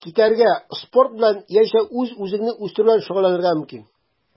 Китәргә, спорт белән яисә үз-үзеңне үстерү белән шөгыльләнергә мөмкин.